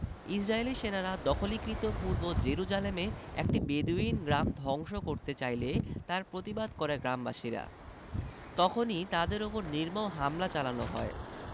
ইসরাইলি সেনারা দখলীকৃত পূর্ব জেরুজালেমে একটি বেদুইন গ্রাম ধ্বংস করতে চাইলে তার প্রতিবাদ করে গ্রামবাসীরা তখনই তাদের ওপর নির্মম হামলা চালানো হয়